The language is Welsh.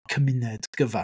Cymuned gyfa.